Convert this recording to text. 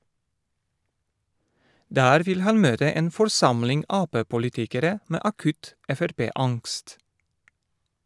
Der vil han møte en forsamling Ap-politikere med akutt Frp-angst.